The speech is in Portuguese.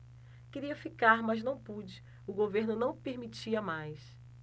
queria ficar mas não pude o governo não permitia mais